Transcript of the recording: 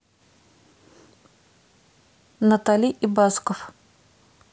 натали и басков